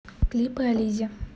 клипы ализе